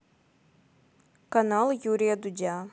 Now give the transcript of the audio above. канал юрия дудя